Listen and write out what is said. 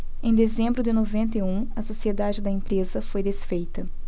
em dezembro de noventa e um a sociedade da empresa foi desfeita